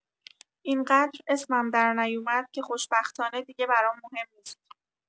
اینقدر اسمم درنیومد که خوشبختانه دیگه برام مهم نیست.